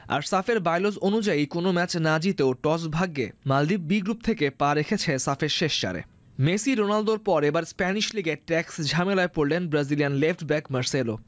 আর সাফের বায়োলজি অনুযায়ী কোন ম্যাচ না জিতেও টস ভাগ্যে মালদ্বীপ বি গ্রুপ থেকে পা রেখেছে সাফের শেষ চারে মেসি রোনালদোর পর এবার স্পেনিশ লিগে টেক্স ঝামেলায় পড়লেন ব্রাজিলিয়ান লেফট ব্যাক মার্সেলো